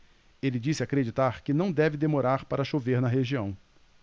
ele disse acreditar que não deve demorar para chover na região